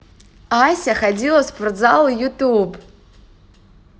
ася ходила в спортзал youtube